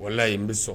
Wala ye n bɛ sɔn